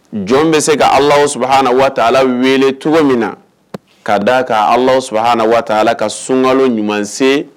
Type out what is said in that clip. Jɔn bɛ se ka ala suhaaaana waa ala wele cogo min na ka da ka ala suhaaaana waa ala ka sunkalo ɲumansen